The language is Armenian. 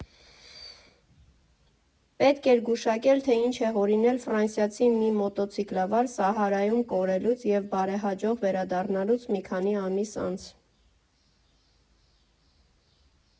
Պետք էր գուշակել, թե ինչ է հորինել ֆրանսիացի մի մոտոցիկլավար Սահարայում կորելուց և բարեհաջող վերադառնալուց մի քանի ամիս անց։